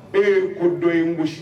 Ee ko dɔ ye n gosi